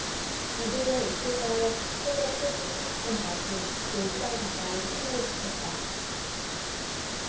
이들은 이튿날 새벽 세 시 삼십 분까지 네 시간 가까이 침묵을 지켰다